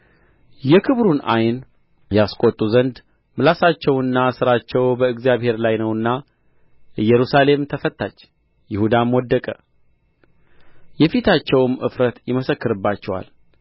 የክብሩን ዓይን ያስቈጡ ዘንድ ምላሳቸውና ሥራቸው በእግዚአብሔር ላይ ነውና ኢየሩሳሌም ተፈታች ይሁዳም ወደቀ የፊታቸውም እፍረት ይመሰክርባቸዋል